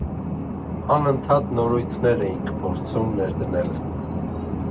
Անընդհատ նորույթներ էինք փորձում ներդնել։